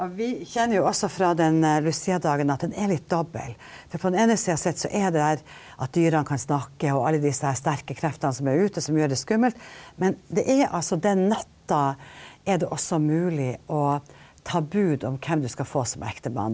vi kjenner jo også fra den eee Luciadagen at den er litt dobbel, for på den ene sida sett så er det der at dyrene kan snakke og alle disse her sterke kreftene som er ute som gjør det skummelt, men det er altså den natta er det også mulig å ta bud om hvem du skal få som ektemann.